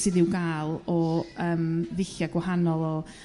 sydd i'w ga'l o yrm ddullia' gwahanol o